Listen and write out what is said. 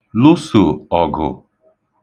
lụsò ọ̀gụ̀